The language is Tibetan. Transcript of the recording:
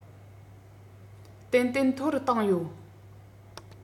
ཏན ཏན མཐོ རུ བཏང ཡོད